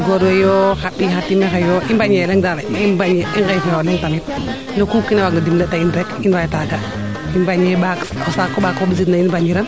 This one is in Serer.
gor we yoo xa ɓiy xa time xe yoo i mbañe leŋ daal i ngeefe o leŋ tamit nu kuu kiina waag na dimle ta in rek i mbay taaga i mbañee ɓaak o saaku ɓaak oxu mbisiid na in i mbañiran